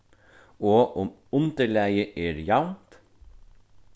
og um undirlagið er javnt